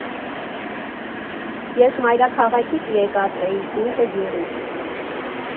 Ես մայրաքաղաքից եկածն էի, ինքը՝ գյուղից։